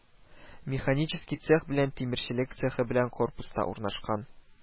Механический цех белән тимерчелек цехы бер корпуста урнашкан